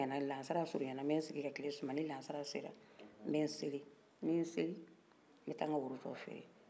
lahazara surun yara nbɛ sigin ka tile sumaya nin lahazara sera n bɛ seli ni ye seli n bɛ taa n ka woro tɔ feere